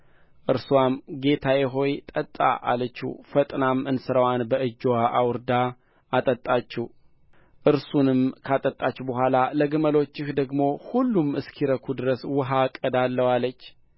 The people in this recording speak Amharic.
እርስዋም ጌታዬ ሆይ ጠጣ አለችው ፈጥናም እንስራዋን በእጅዋ አውርዳ አጠጣችው እርሱንም ካጠጣች በኋላ ለግመሎችህ ደግሞ ሁሉም እስኪረኩ ድረስ ውኃ እቀዳለሁ አለች